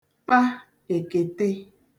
kpa èkètè